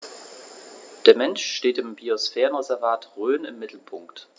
Der Mensch steht im Biosphärenreservat Rhön im Mittelpunkt.